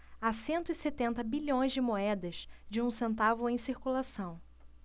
há cento e setenta bilhões de moedas de um centavo em circulação